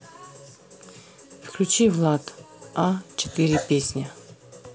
включи влад а четыре песня